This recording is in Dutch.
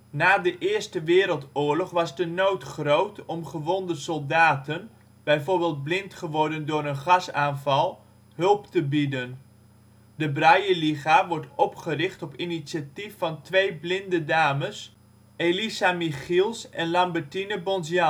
Na de Eerste Wereldoorlog was de nood groot om gewonde soldaten, bijvoorbeeld blind geworden door een gasaanval hulp te bieden. De Brailleliga wordt opgericht op initiatief van twee blinde dames, Elisa Michiels en Lambertine Bonjean